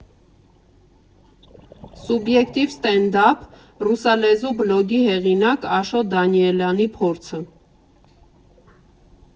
«Սուբյեկտիվ ստենդափ» ռուսալեզու բլոգի հեղինակ Աշոտ Դանիելյանի փորձը։